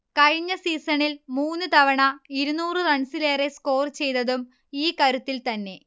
കഴിഞ്ഞ സീസണിൽ മൂന്നുതവണ ഇരുന്നൂറ് റൺസിലേറെ സ്കോർ ചെയ്തതും ഈ കരുത്തിൽത്തന്നെ